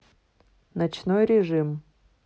ночной режим